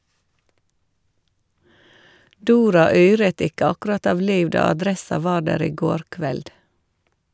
Dora yret ikke akkurat av liv da adressa var der i går kveld.